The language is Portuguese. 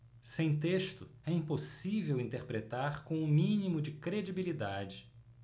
sem texto é impossível interpretar com o mínimo de credibilidade